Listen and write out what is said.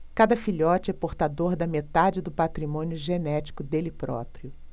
cada filhote é portador da metade do patrimônio genético dele próprio